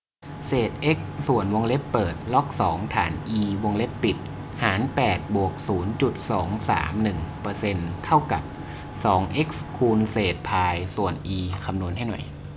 เศษเอ็กซ์ส่วนวงเล็บเปิดล็อกสองฐานอีวงเล็บปิดหารแปดบวกศูนย์จุดสองสามหนึ่งเปอร์เซ็นต์เท่ากับสองเอ็กซ์คูณเศษพายส่วนอีคำนวณให้หน่อย